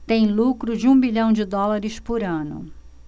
tem lucro de um bilhão de dólares por ano